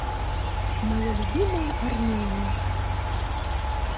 моя любимая армения